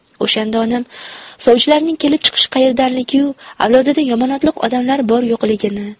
o'shanda onam sovchilarning kelib chiqishi qayerdanligiyu avlodida yomonotliq odamlar bor yo'qligini